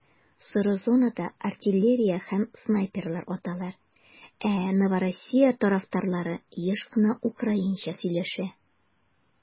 Соры зонада артиллерия һәм снайперлар аталар, ә Новороссия тарафтарлары еш кына украинча сөйләшә.